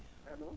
allo